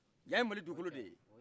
yan ye mali dugukolo de ye